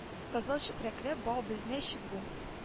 Кызыл чүпрәкле бау безнең чик бу